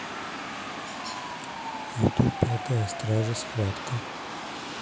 ютуб пятая стража схватка